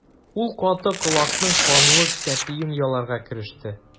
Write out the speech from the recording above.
Ул каты колакның канлы тәпиен яларга кереште.